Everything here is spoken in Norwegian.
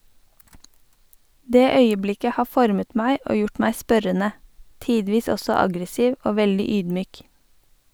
Det øyeblikket har formet meg og gjort meg spørrende, tidvis også aggressiv og veldig ydmyk.